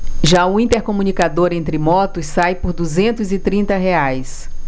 já o intercomunicador entre motos sai por duzentos e trinta reais